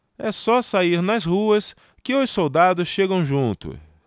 é só sair nas ruas que os soldados chegam junto